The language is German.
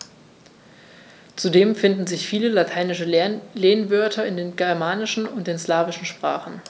Zudem finden sich viele lateinische Lehnwörter in den germanischen und den slawischen Sprachen.